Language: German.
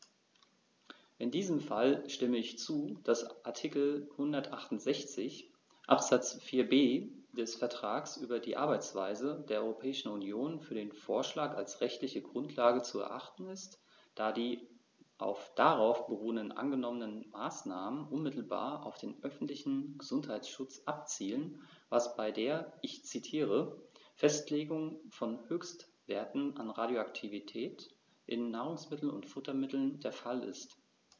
In diesem Fall stimme ich zu, dass Artikel 168 Absatz 4b des Vertrags über die Arbeitsweise der Europäischen Union für den Vorschlag als rechtliche Grundlage zu erachten ist, da die auf darauf beruhenden angenommenen Maßnahmen unmittelbar auf den öffentlichen Gesundheitsschutz abzielen, was bei der - ich zitiere - "Festlegung von Höchstwerten an Radioaktivität in Nahrungsmitteln und Futtermitteln" der Fall ist.